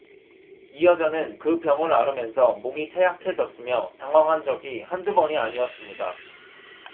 이 여자는 그 병을 앓으면서 몸이 쇠약해졌으며 당황한 적이 한두 번이 아니었습니다